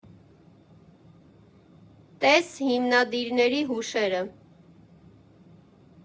Տե՛ս հիմնադիրների հուշերը։